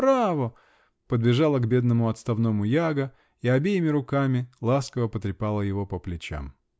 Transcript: браво!" -- подбежала к бедному отставному Яго и обеими руками ласково потрепала его по плечам.